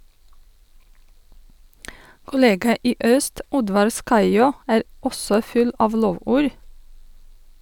Kollega i øst, Oddvar Skaiaa , er også full av lovord.